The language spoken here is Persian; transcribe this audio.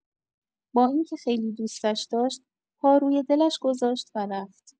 با اینکه خیلی دوستش داشت، پا روی دلش گذاشت و رفت.